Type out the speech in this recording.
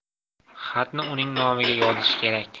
xatni uning nomiga yozish kerak